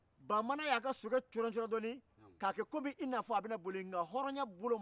i ba ka cogo tɛ o kɔ dɛ e ni ladamukura de bɛ taa sisan